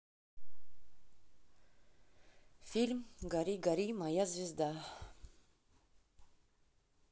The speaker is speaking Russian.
фильм гори гори моя звезда